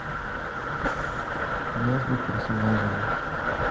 между персонажами